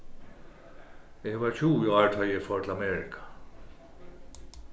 eg var tjúgu ár tá ið eg fór til amerika